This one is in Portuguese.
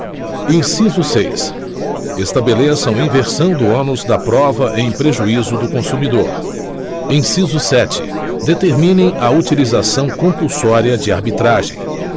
inciso seis estabeleçam inversão do ônus da prova em prejuízo do consumidor inciso sete determinem a utilização compulsória de arbitragem